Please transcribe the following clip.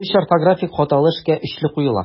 Өч орфографик хаталы эшкә өчле куела.